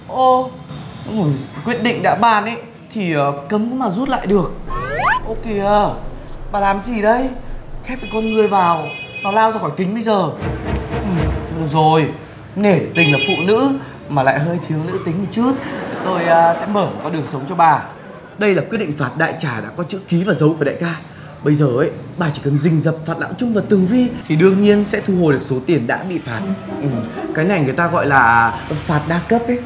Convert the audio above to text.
ô quyết định đã ban ý thì cấm có mà rút lại được ô kìa bà làm cái gì đấy khép cái con ngươi vào nó lao ra khỏi kính bây giờ thôi được rồi nể tình là phụ nữ mà lại hơi thiếu nữ tính một chút tôi sẽ mở một con đường sống cho bà đây là quyết định phạt đại trà đã có chữ ký và dấu của đại ca bây giờ ấy bà chỉ cần rình rập phạt lão trung và tường vi thì đương nhiên sẽ thu hồi được số tiền đã bị phạt cái này người ta gọi là phạt đa cấp ấy